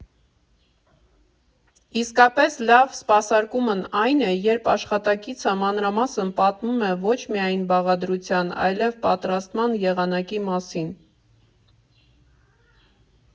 Իսկապես լավ սպասարկումն այն է, երբ աշխատակիցը մանրամասն պատմում է ոչ միայն բաղադրության, այլև պատրաստման եղանակի մասին։